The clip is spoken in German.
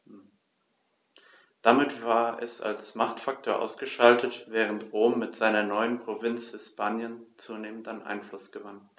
Damit war es als Machtfaktor ausgeschaltet, während Rom mit seiner neuen Provinz Hispanien zunehmend an Einfluss gewann.